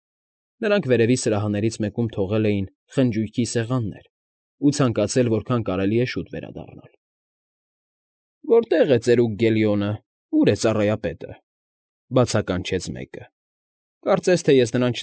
Նրանք վերևի սրահներից մեկում թողել էին խնջույքի սեղանները ու ցանկացել որքան կարելի է շուտ վերադառնալ։ ֊ Որտե՞ղ է ծերուկ Գելիոնը, ո՞ւր է ծառայապետը,֊ բացականչեց մեկը։֊ Կարծես թե ես նրան։